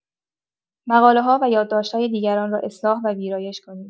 مقاله‌ها و یادداشت‌های دیگران را اصلاح و ویرایش کنید.